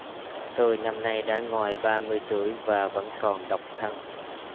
tôi năm nay đã ngoài ba mươi tuổi và vẫn còn độc thân